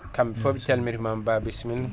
kamɓe foof ɓe calmitimama Ba bissimila